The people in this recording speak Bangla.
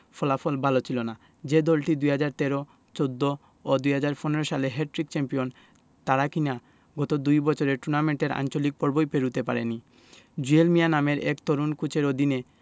ফলাফল ভালো ছিল না যে দলটি ২০১৩ ২০১৪ ও ২০১৫ সালে হ্যাটট্রিক চ্যাম্পিয়ন তারা কিনা গত দুই বছরে টুর্নামেন্টের আঞ্চলিক পর্বই পেরোতে পারেনি জুয়েল মিয়া নামের এক তরুণ কোচের অধীনে